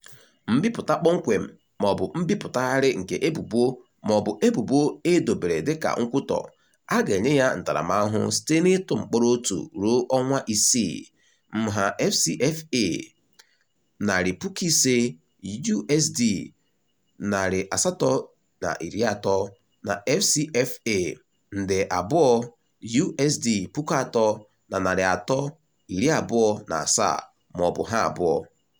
Mbipụta kpọmkwem maọbụ mbipụtagharị nke ebubo maọbụ ebubo e dobere dịka nkwutọ, a ga-enye ya ntaramahụhụ site n'ịtụ mkpọrọ otu (01) ruo ọnwa isii (06), nha FCFA 500,000 (USD 830) na FCFA 2,000,000 (USD 3,327), maọbụ ha abụọ.